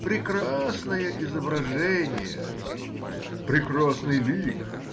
Прекрасное изображение! — Прекрасный лик!